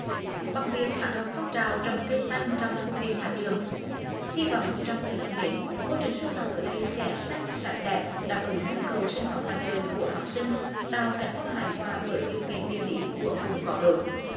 bằng việc phát động phong trào trồng cây xanh trong khuôn viên nhà trường hy vọng trong thời gian đến môi trường sư phạm ở đây sẽ xanh sạch đẹp đáp ứng nhu cầu sinh hoạt ngoài trời của học sinh tạo cảnh quan hài hòa với điều kiện địa lý của vùng gò đồi